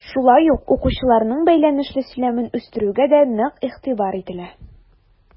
Шулай ук укучыларның бәйләнешле сөйләмен үстерүгә дә нык игътибар ителә.